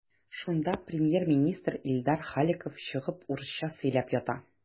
Шунда премьер-министр Илдар Халиков чыгып урысча сөйләп ята.